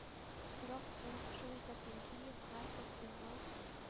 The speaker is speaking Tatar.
Торак пункт (шул исәптән киев, харьков, львов,